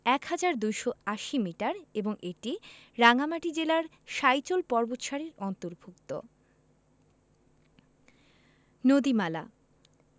১হাজার ২৮০ মিটার এবং এটি রাঙ্গামাটি জেলার সাইচল পর্বতসারির অন্তর্ভূক্ত নদীমালা